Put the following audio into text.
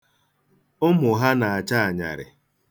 Ụmụ ya na-acha anyarị.